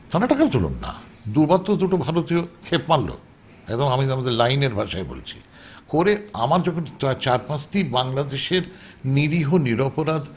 তারা টাকা তুলুন না দুবার তো দুটো ভারতীয় খ্যাপ মারল একদম আমি আমাদের লাইনের ভাষায় বলছি করে আমার যখন চার-পাঁচটি বাংলাদেশের নিরীহ নিরাপরাধ